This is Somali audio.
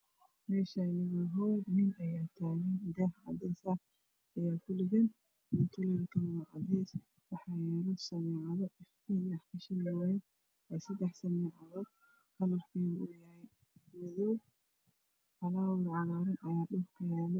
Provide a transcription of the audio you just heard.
Meeshaan waa hool nin ayaa taagan daah cadees ah ku dhegan iyo kalar Kalo cadees ah waxaa yaalo sameecado iyo talafishan yaalo seddax sameecado kalarkeedu yahay madow